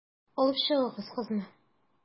Алып чыгыгыз кызны.